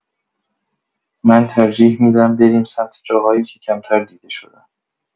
من ترجیح می‌دم بریم سمت جاهایی که کمتر دیده شدن.